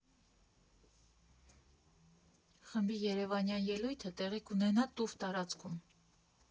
Խմբի երևանյան ելույթը տեղի կունենա «Տուֆ» տարածքում։